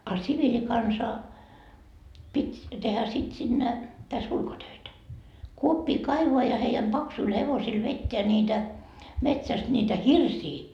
a siviilikansa piti tehdä sitten sinne tässä ulkotöitä kuoppia kaivaa ja heidän paksuilla hevosilla vetää niitä metsästä niitä hirsiä